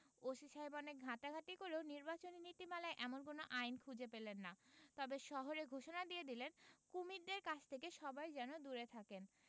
OC সাহেব অনেক ঘাঁটাঘাটি করেও নির্বাচনী নীতিমালায় এমন কোন আইন খুঁজে পেলেন না তবে শহরে ঘোষণা দিয়ে দিলেন কুমীরদের কাছ থেকে সবাই যেন দূরে থাকেন